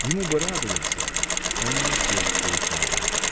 Ему бы радоваться, а у него сердце упало.